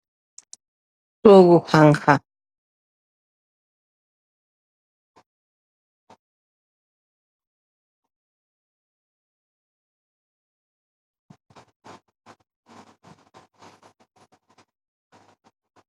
Toogou xang xa